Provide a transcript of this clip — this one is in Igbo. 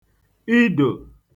idò